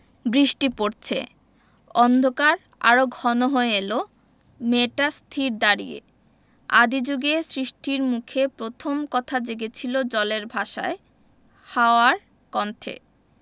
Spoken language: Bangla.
বৃষ্টি পরছে অন্ধকার আরো ঘন হয়ে এল মেয়েটি স্থির দাঁড়িয়ে আদি জুগে সৃষ্টির মুখে প্রথম কথা জেগেছিল জলের ভাষায় হাওয়ার কণ্ঠে